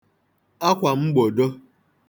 akwà mgbòdo